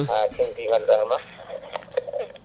ha tengti ganduɗa hoorema